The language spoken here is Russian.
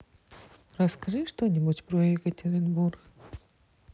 расскажи что нибудь про екатеринбург